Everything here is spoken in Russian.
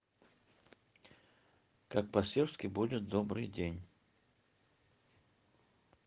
как по сербски будет добрый день